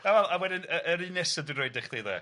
A wel a wedyn yy yr un nesa dwi roid i chdi de.